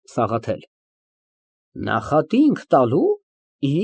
ՍԱՂԱԹԵԼ ֊ Նախատինք տալո՞ւ։